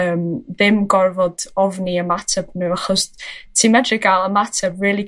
yym ddim gorfod ofni ymateb nhw achos ti medru gael ymateb rili